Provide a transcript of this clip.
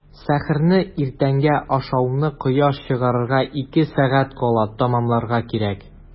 Сәхәрне – иртәнге ашауны кояш чыгарга ике сәгать кала тәмамларга кирәк.